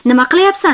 nima qilyapsan